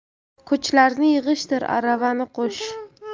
ko'chlarni yig'ishtir aravani qo'sh